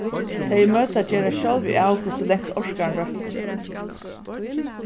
tey ið møta gera sjálvi av hvussu langt orkan røkkur